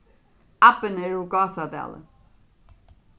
abbin er úr gásadali